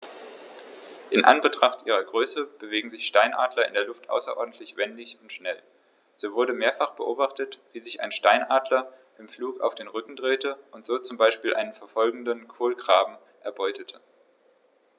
In Anbetracht ihrer Größe bewegen sich Steinadler in der Luft außerordentlich wendig und schnell, so wurde mehrfach beobachtet, wie sich ein Steinadler im Flug auf den Rücken drehte und so zum Beispiel einen verfolgenden Kolkraben erbeutete.